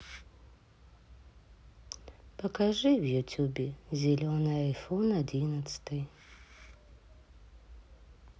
покажи в ютубе зеленый айфон одиннадцатый